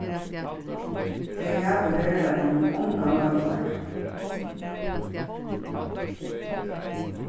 tey hava í veruleikanum ongan møguleika